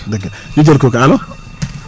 dêgg la ñu jël kooku allo